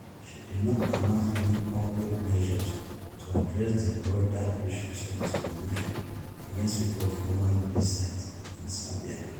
She did not announce any concrete measures to address the broader issue of discrimination against people of Roma descent in Serbia.